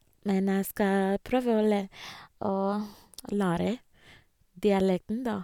Men jeg skal prøve å læ å å lære dialekten, da.